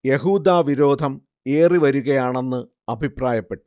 യഹൂദവിരോധം ഏറിവരുകയാണെന്ന് അഭിപ്രായപ്പെട്ടു